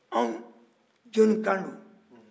anw jonikan don